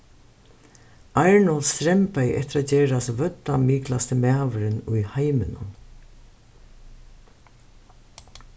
arnold strembaði eftir at gerast vøddamiklasti maðurin í heiminum